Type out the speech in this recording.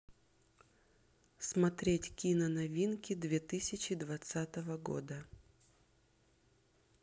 смотреть киноновинки две тысячи двадцатого года